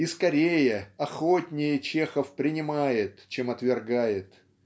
И скорее, охотнее Чехов принимает, чем отвергает.